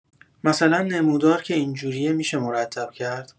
مثلن نمودار که اینجوریه می‌شه مرتب کرد؟